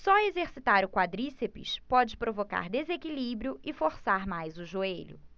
só exercitar o quadríceps pode provocar desequilíbrio e forçar mais o joelho